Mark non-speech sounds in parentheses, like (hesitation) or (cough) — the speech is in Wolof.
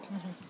(hesitation) (hesitation)